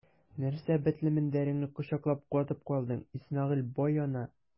Нәрсә бетле мендәреңне кочаклап катып калдың, Исмәгыйль бай яна!